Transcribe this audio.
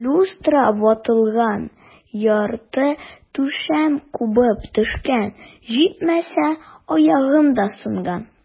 Люстра ватылган, ярты түшәм кубып төшкән, җитмәсә, аягым да сынган.